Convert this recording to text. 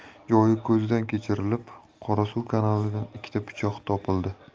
kechirilib qorasuv kanalidan ikkita pichoq topildi